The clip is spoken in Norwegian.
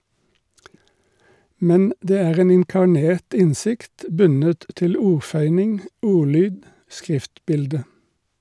Men det er en inkarnert innsikt, bundet til ordføyning , ordlyd , skriftbilde.